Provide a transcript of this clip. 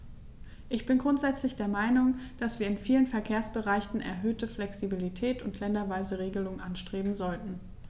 Ich bin grundsätzlich der Meinung, dass wir in vielen Verkehrsbereichen erhöhte Flexibilität und länderweise Regelungen anstreben sollten.